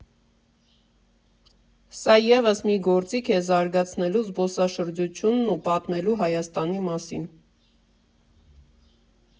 Սա ևս մի գործիք է զարգացնելու զբոսաշրջությունն ու պատմելու Հայաստանի մասին»։